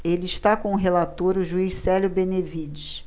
ele está com o relator o juiz célio benevides